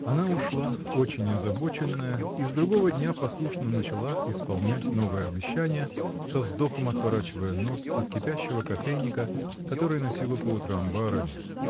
Она ушла, очень озабоченная, и с другого дня послушно начала исполнять новое обещание, со вздохом отворачивая нос от кипящего кофейника, который носила по утрам барыне.